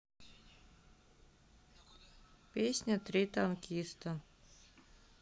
песня три танкиста